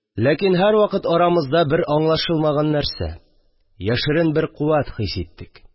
Ләкин һәрвакыт арамызда бер аңлашылмаган нәрсә – яшерен бер куәт хис иттек